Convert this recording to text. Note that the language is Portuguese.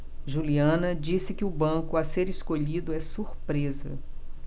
juliana disse que o banco a ser escolhido é surpresa